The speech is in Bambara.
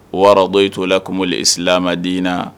Wɔɔrɔ dɔ y' t'o lam silamɛ diina